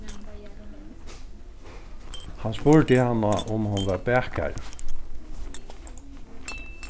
hann spurdi hana um hon var bakari